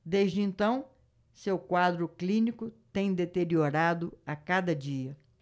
desde então seu quadro clínico tem deteriorado a cada dia